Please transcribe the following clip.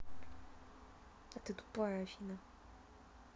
а ты тупая афина